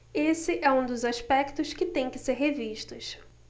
esse é um dos aspectos que têm que ser revistos